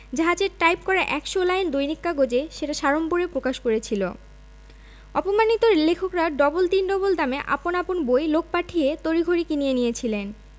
জাহাজের টাইপ করা এক শ লাইন দৈনিক কাগজে সেটা সাড়ম্বরে প্রকাশ করেছিল অপমানিত লেখকরা ডবল তিন ডবল দামে আপন আপন বই লোক পাঠিয়ে তড়িঘড়ি কিনিয়ে নিয়েছিলেন